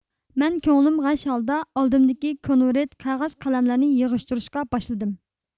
مەن كۆڭلۈم غەش ھالدا ئالدىمدىكى كونۋىرىت قەغەز قەلەملەرنى يىغىشتۇرۇشقا باشلىدىم